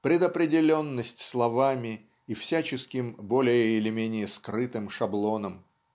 предопределенность словами и всяческим более или менее скрытым шаблоном.